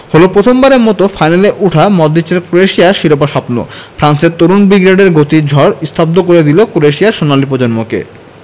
হল প্রথমবারের মতো ফাইনালে ওঠা মডরিচের ক্রোয়েশিয়ার শিরোপা স্বপ্ন ফ্রান্সের তরুণ ব্রিগেডের গতির ঝড় স্তব্ধ করে দিল ক্রোয়েশিয়ার সোনালি প্রজন্মকে